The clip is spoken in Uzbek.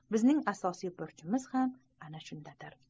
bizning asosiy burchimiz ham ana shundadir